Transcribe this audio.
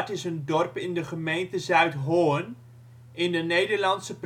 is een dorp in de gemeente Zuidhorn in de Nederlandse